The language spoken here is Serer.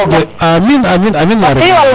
amin amiin amin